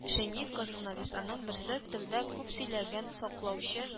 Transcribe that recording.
Шәймиевкә журналистларның берсе, телдә күп сөйләнгән “Саклаучы”